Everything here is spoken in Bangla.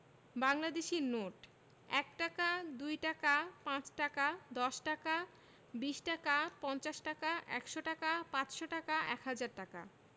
বাংলাদেশি নোটঃ ১ টাকা ২ টাকা ৫ টাকা ১০ টাকা ২০ টাকা ৫০ টাকা ১০০ টাকা ৫০০ টাকা ১০০০ টাকা